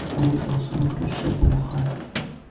Ул чын кеше булган.